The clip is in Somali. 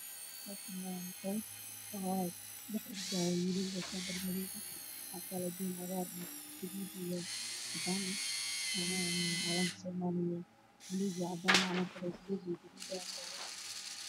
Waxaa ii muuqday doon ay riixayaan niman oo talo xeebta banaankeeda waxaana ku dhegan calanka soomaaliya